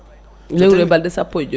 lewru e balɗe sappo e joyyi